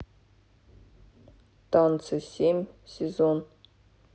танцы семь сезон